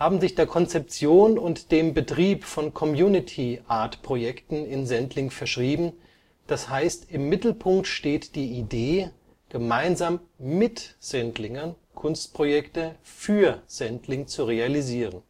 haben sich der Konzeption und dem Betrieb von Community-Art-Projekten in Sendling verschrieben d. h. im Mittelpunkt steht die Idee gemeinsam MIT Sendlingern Kunstprojekte FÜR Sendling zu realisieren